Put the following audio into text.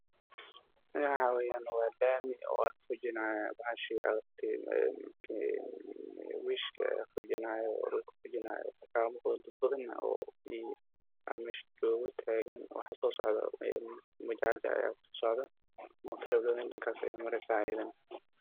Waa meel waddo laami ah qashin ayaa daadsan waxaa guraya cagaf cagaf jaalle ah moote ayaa mareysa nin wata